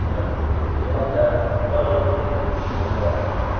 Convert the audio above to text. tafakkur tezligi oldida yorug'lik tezligi hech narsa